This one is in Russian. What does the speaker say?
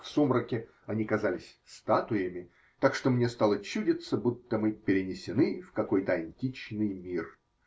в сумраке они казались статуями, так что мне стало чудиться, будто мы перенесены в какой-то античный мир.